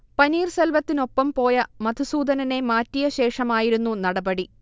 പനീർസെൽവത്തിനൊപ്പം പോയ മധുസൂദനനെ മാറ്റിയ ശേഷമായിരുന്നു നടപടി